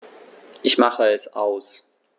Ich mache es aus.